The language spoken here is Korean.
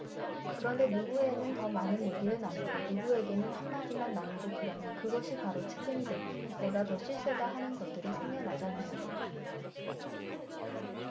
그런데 누구에는 더 많은 얘기를 나누고 누구에게는 한 마디만 나누고 그러면 그것이 바로 측근이 되고 내가 더 실세다 하는 것들이 생겨나잖아요